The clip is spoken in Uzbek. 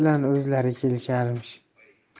bilan o'zi kelisharmish